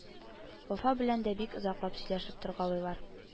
Вафа белән дә бик озаклап сөйләшеп торгалыйлар